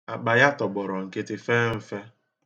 Akpa ya tọgbọrọ nkịtị fee mfe.